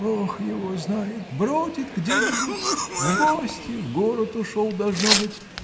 — Бог его знает — бродит где-нибудь: в гости в город ушел, должно быть